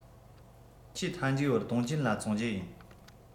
ཆེས མཐའ མཇུག བར ཏུང ཅིན ལ བཙོང རྒྱུ ཡིན